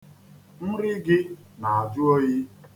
Nri gị na-ajụ oyi.